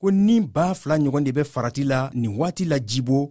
ko ni ba fila ɲɔgɔn de bɛ farati la nin waati la djibo kɔngɔ ni minnɔgɔ kosɔn